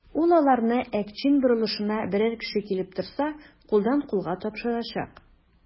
Ул аларны Әкчин борылышына берәр кеше килеп торса, кулдан-кулга тапшырачак.